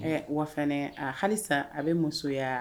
Ee wa fana halisa a bɛ musoya